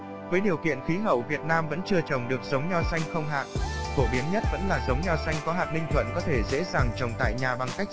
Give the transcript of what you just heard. với điều kiện khí hậu việt nam vẫn chưa trồng được giống nho xanh không hạt phổ biến nhất vẫn là giống nho xanh có hạt ninh thuận có thể dễ dàng trồng tại nhà bằng cách gieo hạt